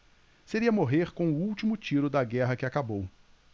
seria morrer com o último tiro da guerra que acabou